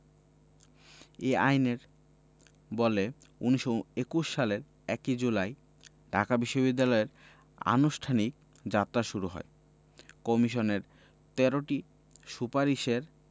এ আইনের বলে ১৯২১ সালের ১ জুলাই ঢাকা বিশ্ববিদ্যালয়ের আনুষ্ঠানিক যাত্রা শুরু হয় কমিশনের ১৩টি সুপারিশের